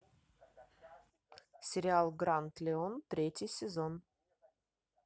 сериал гранд лион третий сезон